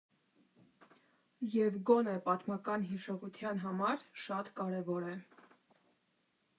Եվ գոնե պատմական հիշողության համար շատ կարևոր է։